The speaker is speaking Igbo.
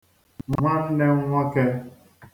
nwanne nwọke